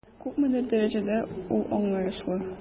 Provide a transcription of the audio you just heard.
Күпмедер дәрәҗәдә ул аңлаешлы.